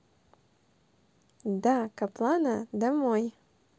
да каплана домой